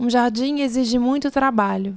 um jardim exige muito trabalho